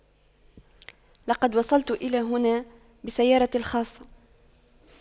لقد وصلت الى هنا بسيارتي الخاصة